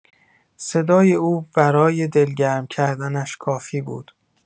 صدای او برای دلگرم کردنش کافی بود.